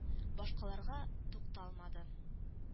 Башкаларга тукталмады